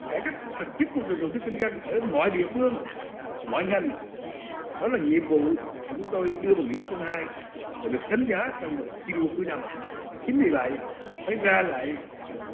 cải cách thực chất của vụ việc đầu tư kinh doanh ở mọi địa phương mọi ngành đó là nhiệm vụ mà chúng tôi đưa vào nghị quyết không hai được đánh giá trong hội thi đua cuối năm chính vì vậy hãy ra lệnh